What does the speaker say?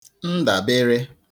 ndàbere